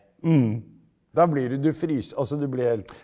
ja da blir du du altså du blir helt.